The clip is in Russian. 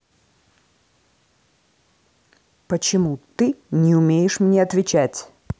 почему ты не умеешь мне отвечать